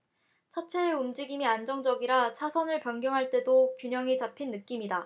차체 움직임이 안정적이라 차선을 변경할 때도 균형이 잡힌 느낌이다